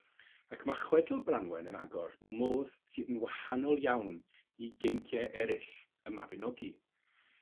Ac ma' chwedl Branwen yn agor mewn modd sydd yn wahanol iawn i geincie eryll Y Mabinogi.